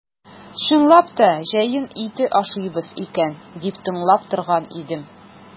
Чынлап та җәен ите ашыйбыз икән дип тыңлап торган идем.